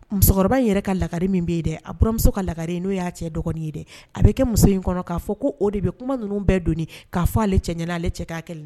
Musokɔrɔba in yɛrɛ ka lagare min bɛ ye dɛ a buramuso ka lagare n'o y'a cɛ dɔgɔnin ye dɛ a bɛ kɛ muso in kɔnɔ k'a fɔ ko o de bɛ kuma ninnu bɛɛ doni k'a fɔ' ale cɛ ɲɛnan ale cɛ k'a kɛ